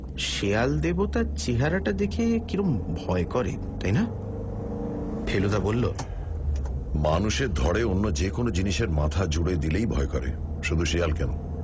শেয়াল দেবতার চেহারাটা দেখে কীরকম ভয় করে তাই না ফেলুদা বলল মানুষের ধড়ে অন্য যে কোনও জিনিসের মাথা জুড়ে দিলেই ভয় করে শুধু শেয়াল কেন